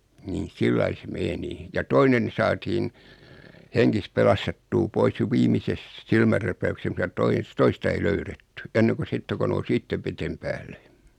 niin sillä lailla se meni ja toinen saatiin hengissä pelastettua pois jo viimeisessä silmänräpäyksessä mutta - toista ei löydetty ennen kuin sitten kun nousi itse veden päälle